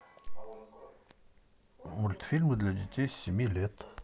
мультфильмы для детей с семи лет